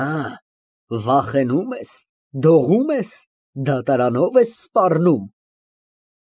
Աա՞, վախենու՞ւմ ես, դողո՞մ ես, դատարանո՞վ ես սպառնում։